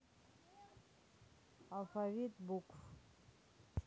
алфавит букв